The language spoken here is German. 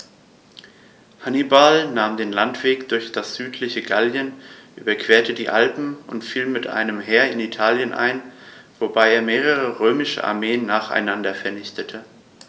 Hannibal nahm den Landweg durch das südliche Gallien, überquerte die Alpen und fiel mit einem Heer in Italien ein, wobei er mehrere römische Armeen nacheinander vernichtete.